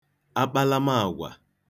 akpalamaàgwà